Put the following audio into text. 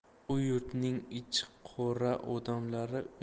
u yurtning ichiqora odamlari